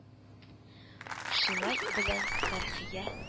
Шимай белән Фәрхия